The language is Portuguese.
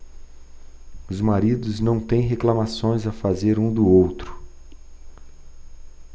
os maridos não têm reclamações a fazer um do outro